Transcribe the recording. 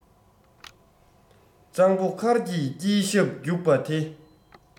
གཙང པོ མཁར གྱི དཀྱིལ ཞབས རྒྱུགས པ དེ